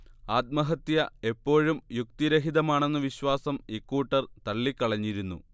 ആത്മഹത്യ എപ്പോഴും യുക്തിരഹിതമാണെന്ന വിശ്വാസം ഇക്കൂട്ടർ തള്ളിക്കളഞ്ഞിരുന്നു